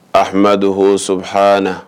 Ambaduɔsɔ haaana